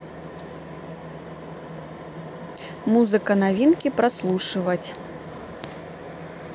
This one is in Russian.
музыка новинки прослушивать